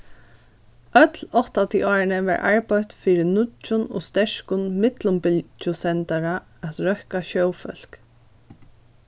øll áttatiárini varð arbeitt fyri nýggjum og sterkum millumbylgjusendara at røkka sjófólk